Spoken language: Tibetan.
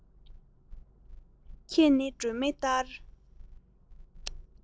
ཁྱེད ནི སྒྲོན མེ ལྟར